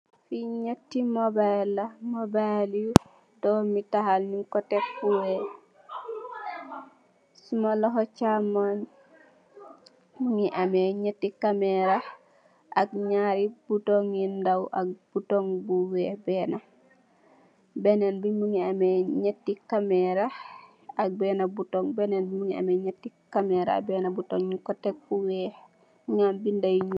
Fee nyate mobile la mobile bu dome taal nugku tek fo weex suma lohou chamung muge nyate camera ak nyari betonk yu ndaw ak betonk bu weex bena benen be muge ameh nyate camera ak bena betonk benen be muge ameh nyate camera ak bena betonk nugku tek fu weex muge ameh beda yu nuul.